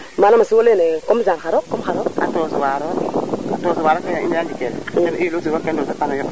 a tosuwaro de a tosuwara kene nda njik wel ten i yulu siwo lke ndose tanoyo